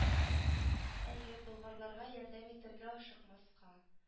Әйе болгарларга ярдәм итәргә ашыкмаска